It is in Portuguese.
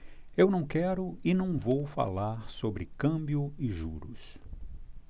eu não quero e não vou falar sobre câmbio e juros